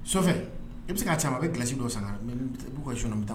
So i bɛ se k'aaa ma bɛ g kisi dɔ san' ka sun bɛ taa